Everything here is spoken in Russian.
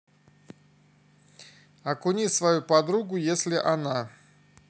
окуни свою подругу если она